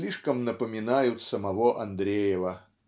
слишком напоминают самого Андреева.